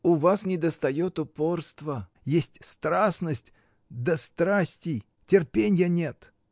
У вас недостает упорства, есть страстность, да страсти, терпенья нет!